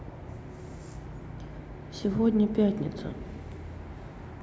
сегодня пятница